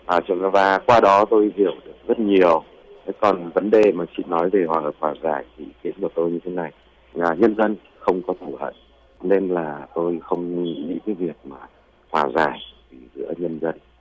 và qua đó tôi hiểu rất nhiều thế còn vấn đề mà chị nói thì họ phải giải thích cho tôi như thế này là nhân dân không có phụ huynh nên là tôi không nghĩ cái việc mà hòa nhân dân